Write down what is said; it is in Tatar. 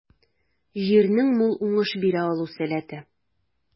Җирнең мул уңыш бирә алу сәләте.